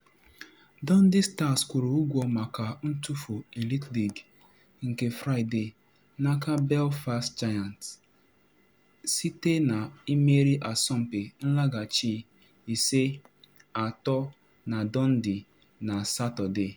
Dundee Stars kwụrụ ụgwọ maka ntufu Elite League nke Fraịde n’aka Belfast Giants site na imeri asọmpi nlaghachi 5-3 na Dundee na Satọde.